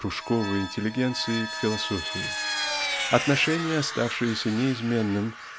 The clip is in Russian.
кружковой интеллигенции к философии отношение оставшееся неизменным